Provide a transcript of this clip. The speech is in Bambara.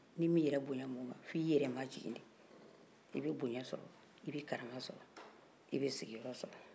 n'i m'i yɛrɛ bonya mɔgɔ ma fɔ i y'i yɛrɛ i bɛ bonya sɔrɔ i bɛ karama sɔrɔ i bɛ sigiyɔrɔ sɔrɔ